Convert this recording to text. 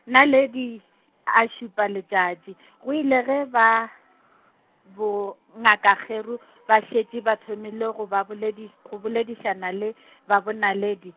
Naledi, a šupa letšatši, go ile ge ba, bongaka Kgeru ba šetše ba thomile go ba Boledi, go Boledišana le, ba bonaledi.